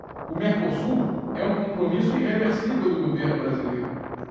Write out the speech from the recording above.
o mercosul é um compromisso irreversível do governo brasileiro